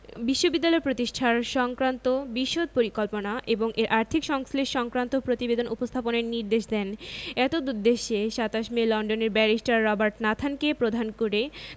বিশ্ববিদ্যালয় প্রতিষ্ঠা সংক্রান্ত বিশদ পরিকল্পনা এবং এর আর্থিক সংশ্লেষ সংক্রান্ত প্রতিবেদন উপস্থাপনের নির্দেশ দেন এতদুদ্দেশ্যে ২৭ মে লন্ডনের ব্যারিস্টার রবার্ট নাথানকে প্রধান করে